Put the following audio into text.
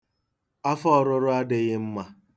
Afọ ọrụrụ dịghị mma.